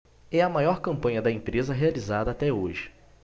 é a maior campanha da empresa realizada até hoje